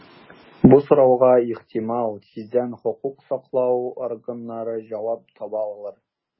Бу сорауга, ихтимал, тиздән хокук саклау органнары җавап таба алыр.